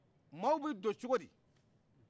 ɔgɔw bɛ don cogodi